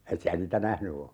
et sinä niitä nähnyt ole